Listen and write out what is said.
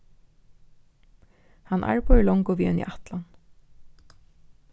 hann arbeiðir longu við eini ætlan